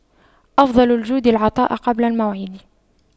أفضل الجود العطاء قبل الموعد